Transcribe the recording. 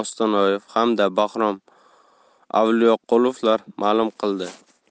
ostonoyev hamda bahrom avliyoqulovlar ma'lum qildi